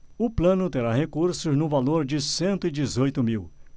o plano terá recursos no valor de cento e dezoito mil